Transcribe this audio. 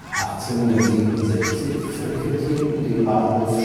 1867 frequentierten den Bahnhof